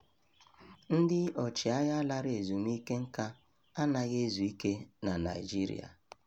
Ndị ọchịagha lara ezumike nka anaghị ezu ike na Naịjirịa